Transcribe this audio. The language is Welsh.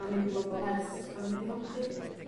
Ma mynd i fod o werth a ma' mynd i helpu